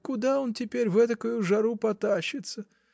Куда он теперь в этакую жару потащится?